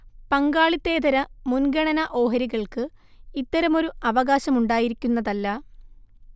പങ്കാളിത്തേതര മുൻഗണനാ ഓഹരികൾക്ക് ഇത്തരമൊരു അവകാശമുണ്ടായിരിക്കുന്നതല്ല